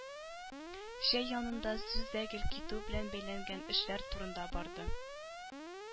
Чәй янында сүз дә гел китү белән бәйләнгән эшләр турында барды.